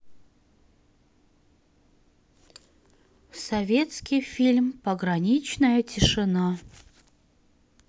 советский фильм пограничная тишина